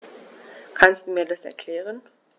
Kannst du mir das erklären?